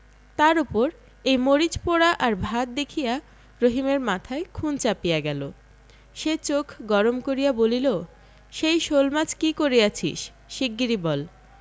তাহার উপর এই মরিচ পোড়া আর ভাত দেখিয়া রহিমের মাথায় খুন চাপিয়া গেল সে চোখ গরম করিয়া বলিল সেই শোলমাছ কি করিয়াছি শীগগীর বল